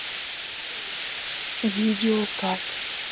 видео как